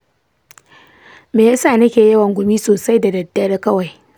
me yasa nake yawan gumi sosai da daddare kawai?